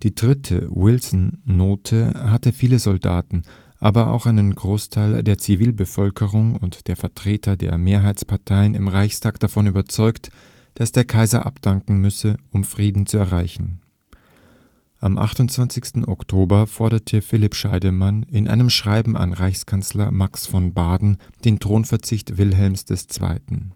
dritte Wilson-Note hatte viele Soldaten, aber auch einen Großteil der Zivilbevölkerung und der Vertreter der Mehrheitsparteien im Reichstag davon überzeugt, dass der Kaiser abdanken müsse, um Frieden zu erreichen. Am 28. Oktober forderte Philipp Scheidemann in einem Schreiben an Reichskanzler Max von Baden den Thronverzicht Wilhelms II